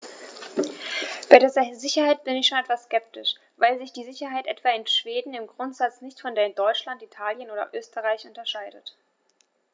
Bei der Sicherheit bin ich schon etwas skeptisch, weil sich die Sicherheit etwa in Schweden im Grundsatz nicht von der in Deutschland, Italien oder Österreich unterscheidet.